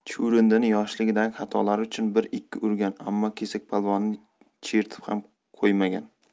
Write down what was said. chuvrindini yoshlikdagi xatolari uchun bir ikki urgan ammo kesakpolvonni chertib ham qo'ymagan